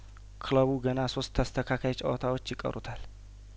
ክለቡ ገና ሶስት ተስተካካይ ጨዋታዎች ይቀሩታል